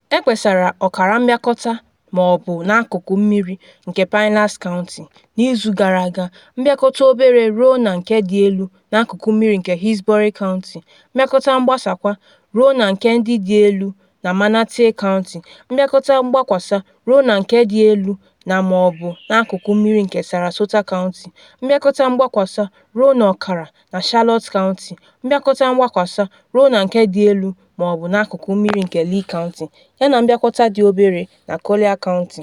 Ekpesara ọkara mbịakọta na ma ọ bụ n’akụkụ mmiri nke Pinellas Country n’izu gara aga, mbịakọta obere ruo na nke dị elu n’akụkụ mmiri nke Hillsborough County, mbịakọta mgbakwasa ruo na nke dị elu na Manatee County, mbịakọta mgbakwasa ruo na nke dị elu na ma ọ bụ n’akụkụ mmiri nke Sarasota County, mbịakọta mgbakwasa ruo na ọkara na Charlotte County, mbịakọta mgbakwasa ruo na nke dị elu na ma ọ bụ n’akụkụ mmiri nke Lee County, yana mbịakọta dị obere na Collier County.